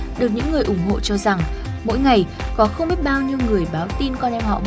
được những người ủng hộ cho rằng mỗi ngày có không biết bao nhiêu người báo tin con em họ